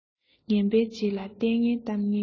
ངན པའི རྗེས ལ ལྟས ངན གཏམ ངན ཡོད